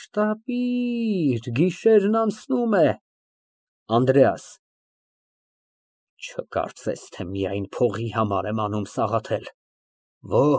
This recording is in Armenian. Շտապիր գիշերն անցնում է։ ԱՆԴՐԵԱՍ ֊ Չկարծես, թե միայն փողի համար եմ անում Սաղաթել։